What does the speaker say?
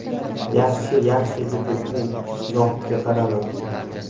yaxshi yaxshi dedi u zohidga qaramay